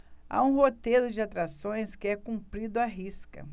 há um roteiro de atrações que é cumprido à risca